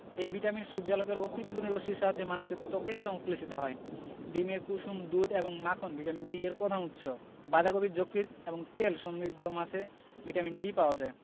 এই ভিটামিন সূর্যালোকের অতিবেগুনি রশ্মির সাহায্যে মানুষের ত্বকে সংশ্লেষিত হয় ডিমের কুসুম দুধ এবং মাখন ভিটামিন D এর প্রধান উৎস বাঁধাকপি যকৃৎ এবং তেল সমৃদ্ধ মাছে ভিটামিন D পাওয়া যায়